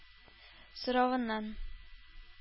Соравыннан